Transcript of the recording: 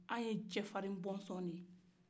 an ye cɛ farin bɔnaw ye